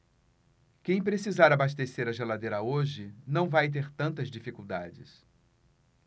quem precisar abastecer a geladeira hoje não vai ter tantas dificuldades